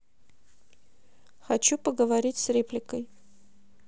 хочу поговорить с репликой